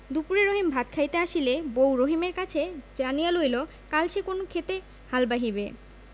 দুপুরে রহিম ভাত খাইতে আসিলে বউ রহিমের কাছে জানিয়া লইল কাল সে কোন ক্ষেতে হাল বাহিবে